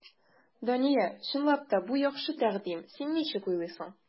Дания, чынлап та, бу яхшы тәкъдим, син ничек уйлыйсың?